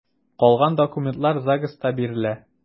Калган документлар ЗАГСта бирелә.